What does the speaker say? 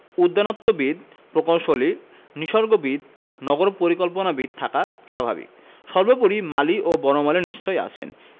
উদ্যানতত্ত্ববিদ প্রকৌশলী নিসর্গবিদ নগর পরিকল্পনাবিদ থাকাও স্বাভাবিক সর্বোপরি মালি ও বনমালী নিশ্চয়ই আছেন